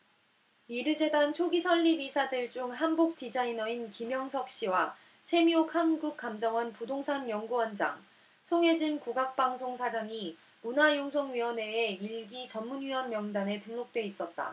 미르재단 초기 설립 이사들 중 한복디자이너인 김영석씨와 채미옥 한국감정원 부동산연구원장 송혜진 국악방송 사장이 문화융성위원회의 일 기 전문위원 명단에 등록돼 있었다